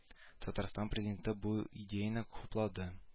Татарстан президенты бу идеяне хуплады